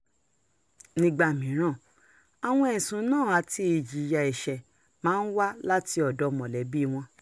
Nígbà mìíràn, àwọn èsùn náà àti ìjìyà ẹṣé máa wá láti ọ̀dọ̀ mọ̀lébíi wọn.